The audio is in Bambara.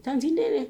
Tanti Nene